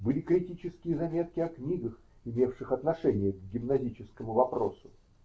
Были критические заметки о книгах, имевших отношение к гимназическому вопросу.